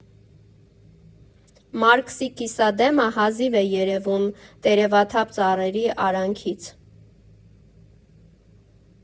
Մարքսի կիսադեմը հազիվ է երևում տերևաթափ ծառերի արանքից։